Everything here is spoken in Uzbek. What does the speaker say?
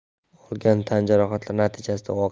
olgan tan jarohatlari natijasida